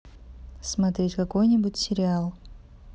смотреть какой нибудь сериал